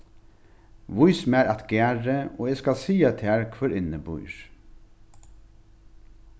vís mær at garði og eg skal siga tær hvør inni býr